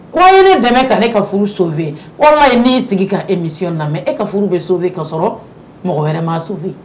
Kɔy ne dɛmɛ ka e ka furu sofɛ wala in n'i sigi ka e misiy lamɛn e ka furu bɛ so ka sɔrɔ mɔgɔ wɛrɛ ma su fɛ